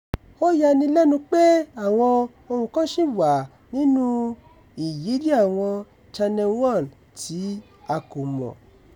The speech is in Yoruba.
Ó yani lẹ́nu pé àwọn ohun kan ṣì wà nínú ìyírí àwọn Channel One tí a kò mọ̀.